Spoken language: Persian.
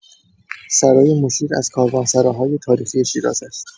سرای مشیر از کاروانسراهای تاریخی شیراز است.